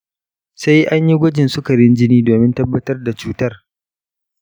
sai an yi gwajin sukarin jini domin tabbatar da cutar.